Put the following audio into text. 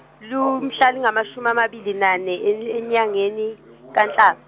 lumhla lingamashumi amabili nane e- enyangeni kaNhlab-.